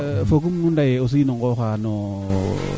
yaam foofi fa ndeyeer wala